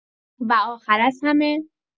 و آخر از همه